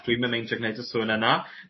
dwi'm yn meindio gneud y sŵn yna